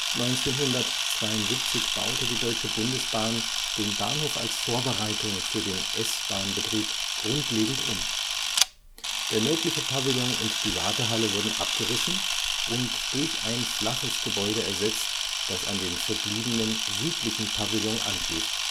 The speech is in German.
1972 baute die Deutsche Bundesbahn den Bahnhof als Vorbereitung für den S-Bahn-Betrieb grundlegend um. Der nördliche Pavillon und die Wartehalle wurden abgerissen und durch ein flaches Gebäude ersetzt, das an den verbliebenen südlichen Pavillon anschließt